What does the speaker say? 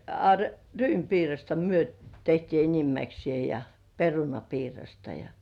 a ryynipiirasta me tehtiin enimmäksieen ja perunapiirasta ja